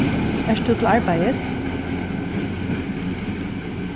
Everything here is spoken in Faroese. ert tú til arbeiðis